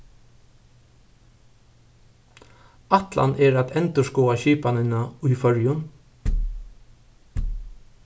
ætlan er at endurskoða skipanina í føroyum